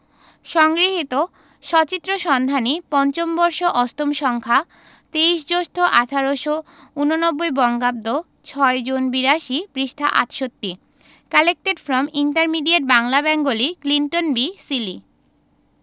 সংগৃহীত সচিত্র সন্ধানী৫ম বর্ষ ৮ম সংখ্যা ২৩ জ্যৈষ্ঠ ১৩৮৯ বঙ্গাব্দ/৬ জুন৮২ পৃষ্ঠাঃ ৬৮ collected from intermediate Bangla Bengali Clinton B Seely